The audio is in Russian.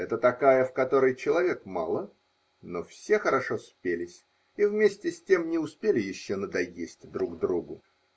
Это -- такая, в которой человек мало, но все хорошо спелись и, вместе с тем, не успели еще надоесть друг другу.